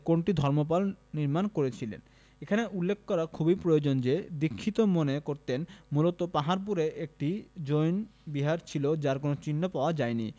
কোনটি ধর্মপাল নির্মাণ করেছিলেন এখানে উল্লেখ করা খুবই প্রয়োজন যে দীক্ষিত মনে করতেন মূলত পাহাড়পুরে একটি জৈন বিহার ছিল যার কোন চিহ্ন পাওয়া যায় না